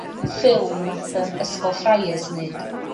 ffilm nath yym ysgol Fryers neud